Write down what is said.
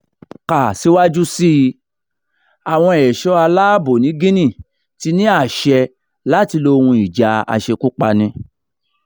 Kà síwájú sí i: Àwọn ẹ̀ṣọ́ aláàbò ní Guinea ti ní àṣẹ láti lo ohun ìjà aṣekúpani